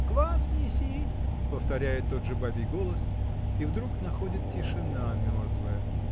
"Квас неси", -- повторяет тот же бабий голос, -- и вдруг находит тишина мертвая